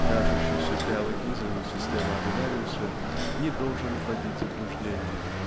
Кажущийся биологизм системы Авенариуса не должен вводить в заблуждение